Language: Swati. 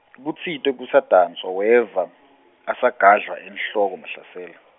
kutsite kusadanswa weva, asagadlwa enhloko Mahlasela.